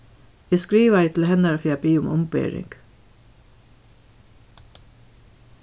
eg skrivaði til hennara fyri at biðja um umbering